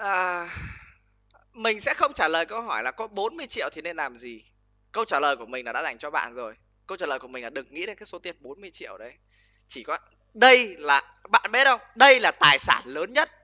à mình sẽ không trả lời câu hỏi là có bốn mươi triệu thì nên làm gì câu trả lời của mình là đã dành cho bạn rồi câu trả lời của mình là đừng nghĩ đến cái số tiền bốn mươi triệu đấy chỉ có đây là các bạn biết không đây là tài sản lớn nhất